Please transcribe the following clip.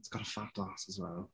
He's got a fat arse as well.